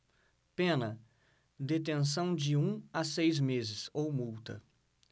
pena detenção de um a seis meses ou multa